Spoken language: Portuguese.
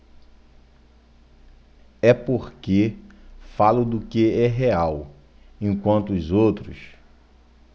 é porque falo do que é real enquanto os outros